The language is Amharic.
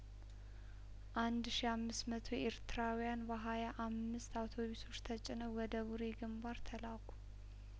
አንድ ሺ አምስት መቶ ኤርትራውያን በሀያ አምስት አውቶ ቢሶች ተጭነው ወደ ቡሬ ግንባር ተላኩ